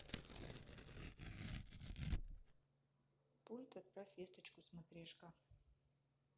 пульт отправь весточку смотрешка